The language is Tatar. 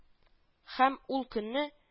Һәм ул көне